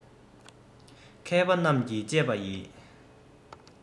མཁས པ རྣམས ཀྱིས དཔྱད པ ཡི